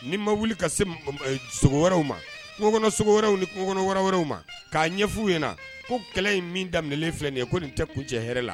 Ni ma wuli ka se sogo wɛrɛw ma kungo kɔnɔw ni kungokɔnɔ wɛrɛ wɛrɛw ma k'a ɲɛffu in na ko kɛlɛ in min daminɛlen filɛ nin ye ko nin tɛ kun cɛ hɛrɛ la